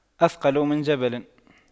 أثقل من جبل